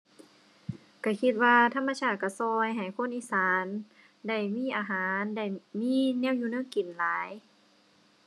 ก็คิดว่าธรรมชาติก็ก็ให้คนอีสานได้มีอาหาร ได้มีแนวอยู่แนวกินหลาย